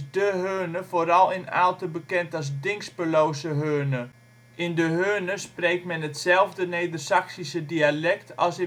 De Heurne vooral in Aalten bekend als " Dinxperlose Heurne ". In De Heurne spreekt men hetzelfde Nedersaksische dialect als